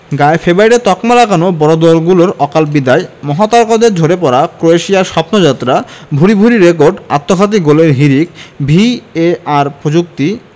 গায়ে ফেভারিটের তকমা লাগানো বড় দলগুলোর অকাল বিদায় মহাতারকাদের ঝরে পড়া ক্রোয়েশিয়ার স্বপ্নযাত্রা ভূরি ভূরি রেকর্ড আত্মঘাতী গোলের হিড়িক ভিএআর প্রযুক্তি